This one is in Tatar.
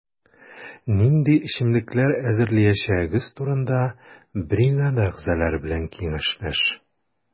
Нинди эчемлекләр әзерләячәгегез турында бригада әгъзалары белән киңәшләш.